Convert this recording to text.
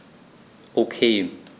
Okay.